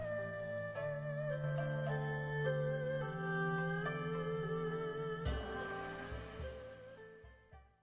music